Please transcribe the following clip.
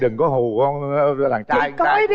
đừng có hù đằng trai